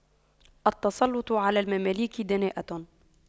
التسلُّطُ على المماليك دناءة